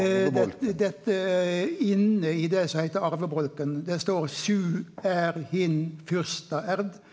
dette inne i det som heiter arvebolken der står .